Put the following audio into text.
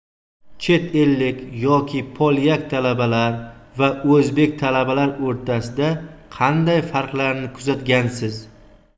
chet ellik yoki polyak talabalar va o'zbek talabalar o'rtasida qanday farqlarni kuzatgansiz